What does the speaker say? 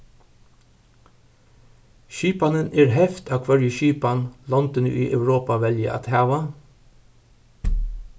skipanin er heft av hvørja skipan londini í europa velja at hava